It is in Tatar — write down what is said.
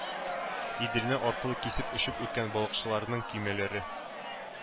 Иделне аркылы кисеп очып үткән балыкчыларның көймәләре,